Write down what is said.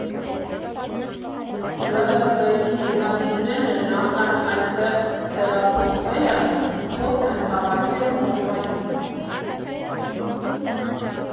ԳՀԴ֊ի հիմնադիրներն էլ նախքան այստեղ տեղափոխվելը փորձ են հավաքել Մոսկվայում։